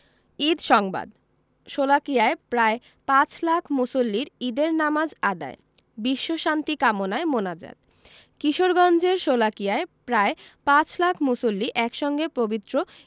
ঈদ সংবাদ শোলাকিয়ায় প্রায় পাঁচ লাখ মুসল্লির ঈদের নামাজ আদায় বিশ্বশান্তি কামনায় মোনাজাত কিশোরগঞ্জের শোলাকিয়ায় প্রায় পাঁচ লাখ মুসল্লি একসঙ্গে পবিত্র